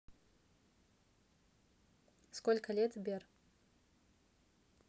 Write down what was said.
сколько лет сбер